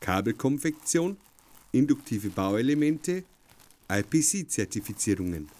Kabelkonfektion, induktive Bauelemente, IPC-Zertifizierungen.